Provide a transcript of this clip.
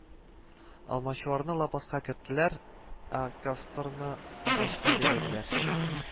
Алмачуарны лапаска керттеләр, ә Кастроны агачка бәйләделәр